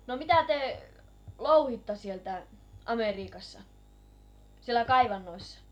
no mitä te louhitte sieltä Amerikassa siellä kaivannoissa